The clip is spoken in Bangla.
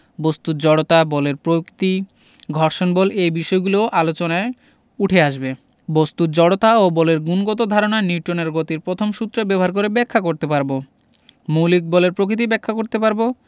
বস্তুর জড়তা বলের প্রকৃতি ঘর্ষণ বল এই বিষয়গুলোও আলোচনায় উঠে আসবে বস্তুর জড়তা ও বলের গুণগত ধারণা নিউটনের গতির প্রথম সূত্র ব্যবহার করে ব্যাখ্যা করতে পারব মৌলিক বলের প্রকৃতি ব্যাখ্যা করতে পারব